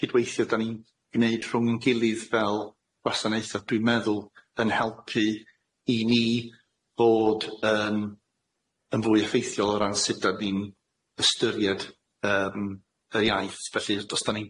cydweithio dan ni'n g'neud rhwng ein gilydd fel gwasanaethe dwi'n meddwl yn helpu i ni bod yn yn fwy effeithiol o ran sud dan ni'n ystyried yym y iaith felly os dan ni'n